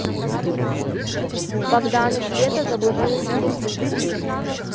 богдан и света заблудились в лесу